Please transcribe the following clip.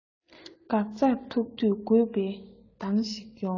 འགག རྩར ཐུག དུས དགོས པའི དུས ཤིག ཡོང